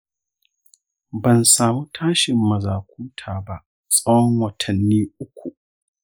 ban samu tashin mazakuta ba tsawon watanni uku.